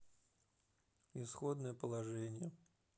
исходное положение